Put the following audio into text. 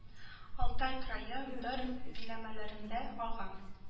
Алтай крае бер биләмәләрендә ага